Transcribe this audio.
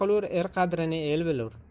er qadrini el bilur